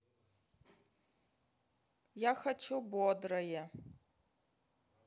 я хочу бодрое